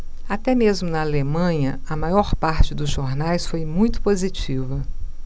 até mesmo na alemanha a maior parte dos jornais foi muito positiva